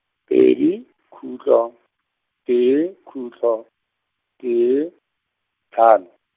pedi, khutlo, tee, khutlo, tee, hlano.